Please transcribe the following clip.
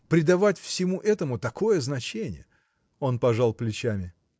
придавать всему этому такое значение. Он пожал плечами.